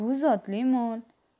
bu zotli mol